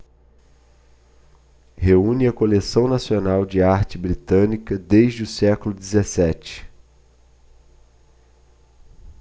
reúne a coleção nacional de arte britânica desde o século dezessete